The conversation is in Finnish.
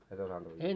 et osannut uida